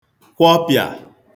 kwọpịà